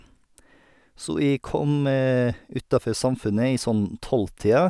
Så jeg kom utafor Samfundet i sånn tolvtida.